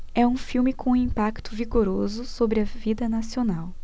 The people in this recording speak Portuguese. é um filme com um impacto vigoroso sobre a vida nacional